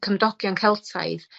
Cymdogion Celtaidd